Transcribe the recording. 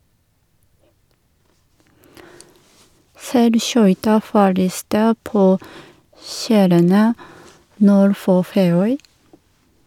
Seilskøyta forliste på skjærene nord for Feøy.